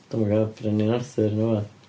Dwi'm yn gwbod, Brenin Arthur neu rywbeth?